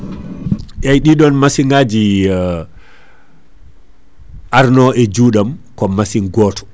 eyyi ɗiɗon massiŋaji * arno e juuɗam ko machine goto